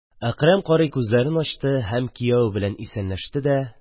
Әкрәм карый күзләрен ачты, кияве белән исәнләште дә: